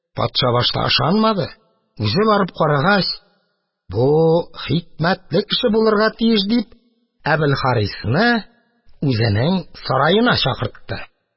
Патша башта ышанмады, үзе барып карагач, бу хикмәтле кеше булырга тиеш, дип, Әбелхарисны үзенең сараена чакыртты.